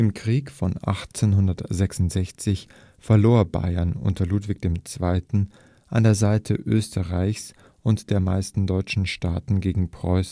Krieg von 1866 verlor Bayern unter Ludwig II. an der Seite Österreichs und der meisten deutschen Staaten gegen Preußen